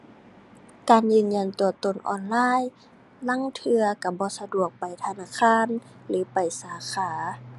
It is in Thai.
การยืนยันตัวตนออนไลน์ ลางเทื่อก็บ่สะดวกไปธนาคารหรือไปสาขา